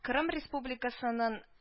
Кырым Республикасынын